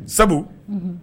Sabu